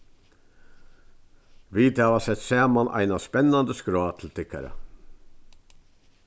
vit hava sett saman eina spennandi skrá til tykkara